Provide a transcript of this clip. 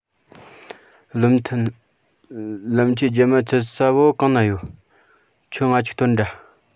བློ མཐུན ལམ ཆས རྒྱ མ ཚད ས བོ གང ན ཡོད ཁྱོས ང ཅིག སྟོན དྲ